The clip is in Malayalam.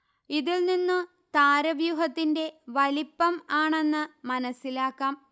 ഇതിൽ നിന്ന് താരവ്യൂഹത്തിന്റെ വലിപ്പം ആണെന്ന് മനസ്സിലാക്കാം